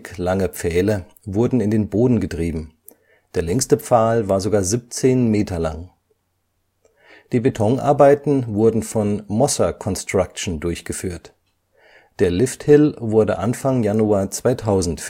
lange Pfähle wurden in den Boden getrieben; der längste Pfahl war sogar 17 Meter lang. Die Betonarbeiten wurden von Mosser Construction durchgeführt. Der Lifthill wurde Anfang Januar 2000